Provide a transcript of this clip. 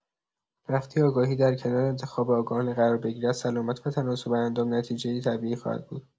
وقتی آگاهی در کنار انتخاب آگاهانه قرار بگیرد، سلامت و تناسب‌اندام نتیجه‌ای طبیعی خواهد بود.